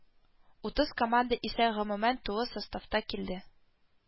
Утыз команда исә гомумән тулы составта килде